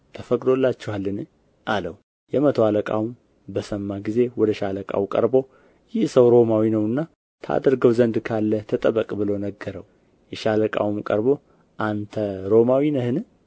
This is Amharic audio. ተፈቅዶላችኋልን አለው የመቶ አለቃውም በሰማ ጊዜ ወደ ሻለቃው ቀርቦ ይህ ሰው ሮማዊ ነውና ታደርገው ዘንድ ካለህ ተጠበቅ ብሎ ነገረው የሻለቃውም ቀርቦ አንተ ሮማዊ ነህን